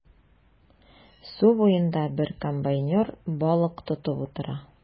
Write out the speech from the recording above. Су буенда бер комбайнер балык тотып утыра.